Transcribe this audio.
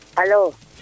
alo